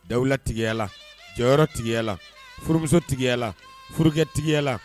Dawuwula tigiyala jɔyɔrɔ tigiyala foromuso tigiya la furujɛ tigiyala